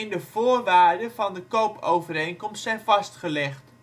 de voorwaarden van de koopovereenkomst zijn vastgelegd